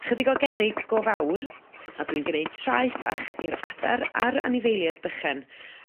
Chydig o gerrig go fawr a dwi'n gneud traeth bach i'r adar a'r anifeiliaid bychan